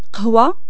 قهوة